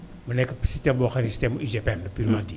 mu nekk système boo xam ne système mu UGPM la purement